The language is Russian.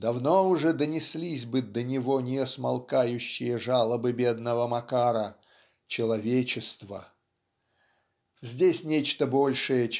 давно уже донеслись бы до Него несмолкающие жалобы бедного Макара человечества. Здесь нечто большее